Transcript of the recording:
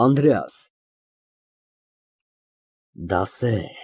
ԱՆԴՐԵԱՍ ֊ Դասեր։